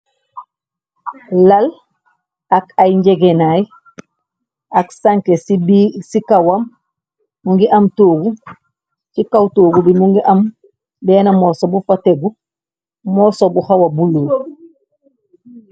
Lal ak ay njegenaay ak sanke ci kawam mu ngi am toogu ci kaw toogu bi mu ngi am benn morso bu fa tegu morso bu hawa bulu.